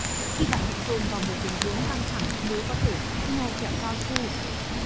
khi bạn bị dồn vào một tình huống căng thẳng nếu có thể hãy nhai kẹo cao su